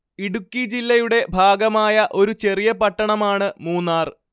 ഇടുക്കി ജില്ലയുടെ ഭാഗമായ ഒരു ചെറിയ പട്ടണമാണ് മൂന്നാർ